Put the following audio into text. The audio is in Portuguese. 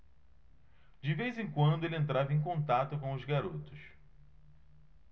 de vez em quando ele entrava em contato com os garotos